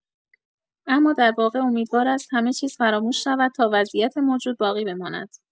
اما در واقع امیدوار است همه‌چیز فراموش شود تا وضعیت موجود باقی بماند.